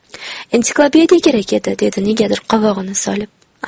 ensiklopediya kerak edi dedi negadir qovog'ini solib